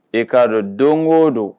E k'a dɔn donko don